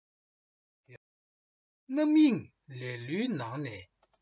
རྣམ གཡེང ལེ ལོའི ནང ནས